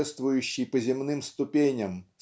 шествующий по земным ступеням